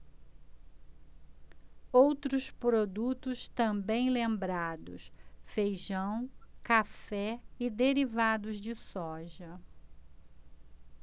outros produtos também lembrados feijão café e derivados de soja